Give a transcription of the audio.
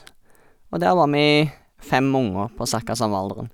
Og der var vi fem unger på cirka samme alderen.